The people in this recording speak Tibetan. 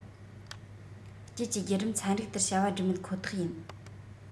དཀྱིལ གྱི བརྒྱུད རིམ ཚན རིག ལྟར བྱ བ བསྒྲུབ མེད ཁོ ཐག ཡིན